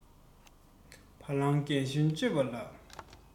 བ ལང རྒན གཞོན དཔྱོད པ ལ